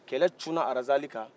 kɛlɛ cunna razali kan